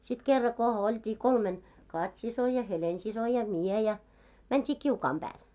sitten kerran kun oltiin kolmen Kati-sisko ja Helena-sisko ja minä ja mentiin kiukaan päälle